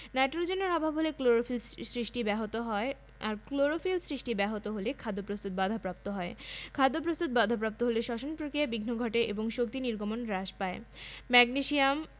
পুষ্টিতে এগুলোর গুরুত্বপূর্ণ ভূমিকার জন্যই আমরা ভালো ফলন পেতে জমিতে nitrogen urea potassium muriate of potash phosphorus triple super phosphate প্রভৃতি সার ব্যবহার করে থাকি